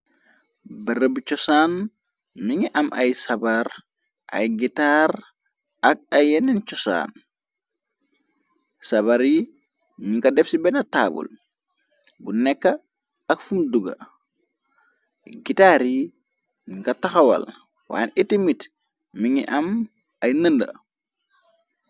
Barëbi cosaan ni ngi am ay sabar ay gitaar ak ay yeneen cosaan sabar yi nu nga def ci benn taabul bu nekk ak fum duga gitaar yi nga taxawal wayen iti mit mi ngi am ay nënda.